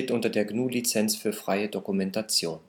unter der GNU Lizenz für freie Dokumentation